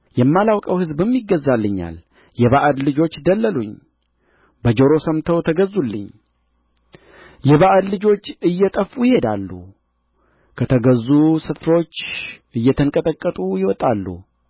የማላውቀው ሕዝብም ይገዛልኛል የባዕድ ልጆች ደለሉኝ በጆሮ ሰምተው ተገዙልኝ የባዕድ ልጆች እየጠፉ ይሄዳሉ ከተዘጉ ስፍሮች እየተንቀጠቀጡ ይወጣሉ